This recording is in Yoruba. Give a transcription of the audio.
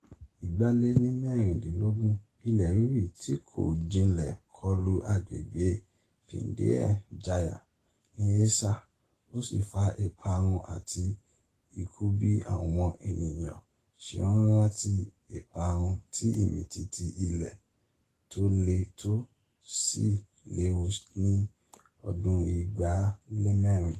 2016: ilẹ̀-rírì tí kò jinlẹ̀ kọlu agbègbè Pidie Jaya ní Aceh, ó sì fa ìparun àti ikú bí àwọn ènìyàn ṣe ń rántí ìparun ti ìmìtìtì ilẹ̀ tó le tó sì léwu ní 2004.